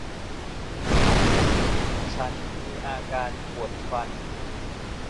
ฉันมีอาการปวดฟัน